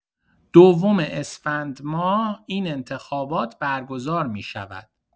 دوم اسفندماه این انتخابات برگزار می‌شود.